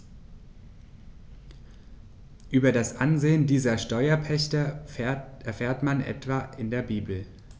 Über das Ansehen dieser Steuerpächter erfährt man etwa in der Bibel.